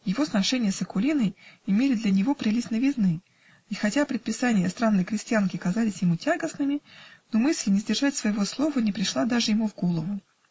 Его сношения с Акулиной имели для него прелесть новизны, и хотя предписания странной крестьянки казались ему тягостными, но мысль не сдержать своего слова не пришла даже ему в голову.